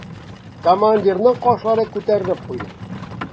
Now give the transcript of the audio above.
Командирның кашлары күтәрелеп куйды.